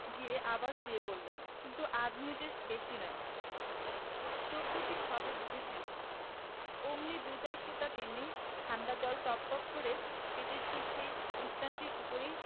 গিয়ে আবার শুয়ে পড়লেন কিন্তু আধ মিনিটের বেশি নয় চোখ দুটি সবে বুজেছেন অমনি দু চার ফোঁটা তেমনি ঠাণ্ডা জল টপটপ কর পেটের ঠিক সেই স্থানটির উপরেই